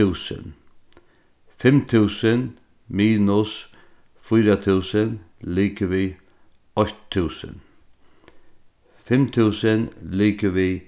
túsund fimm túsund minus fýra túsund ligvið eitt túsund fimm túsund ligvið